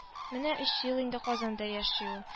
Менә өч ел инде Казанда яши ул